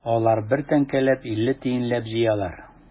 Алар бер тәңкәләп, илле тиенләп җыялар.